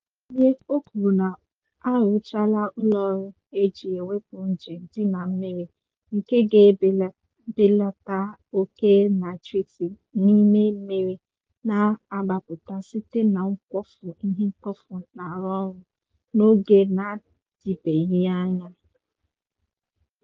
Na mgbakwụnye, o kwuru na a rụchara ụlọọrụ e ji ewepụ nje dị na mmiri, nke ga-ebelata oke naịtreeti n'ime mmiri na-agbapụta site na mkpofu ihe mkpofu na-arụ ọrụ, n'oge na-adịbeghị anya.